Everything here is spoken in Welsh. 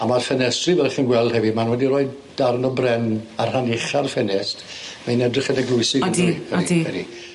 A ma'r ffenestri fel chi'n gweld hefyd ma' nw wedi roi darn o bren ar rhan ucha'r ffenest mae'n edrych yn eglwysig on'd yw 'i? Odi odi. Ydi .